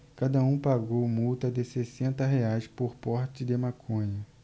cada um pagou multa de setenta reais por porte de maconha